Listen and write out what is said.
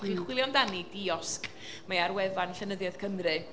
ewch i chwilio amdani, diosg, mae ar wefan Llenyddiaeth Cymru.